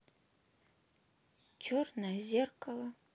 черное зеркало